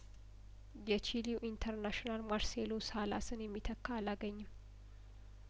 የቺሊው ኢንተርናሽናል ማር ሴሎ ሳላስን የሚተካ አላገኘም